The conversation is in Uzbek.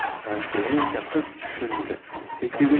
konferansye qiz tushundi shekilli